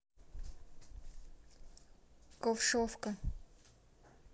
ковшовка